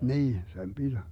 niin sen piti